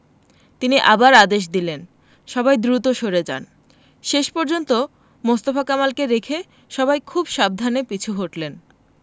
তিনি আবার আদেশ দিলেন সবাই দ্রুত সরে যান শেষ পর্যন্ত মোস্তফা কামালকে রেখে সবাই খুব সাবধানে পিছু হটলেন